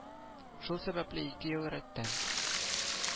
Шул сәбәпле ике ел рәттән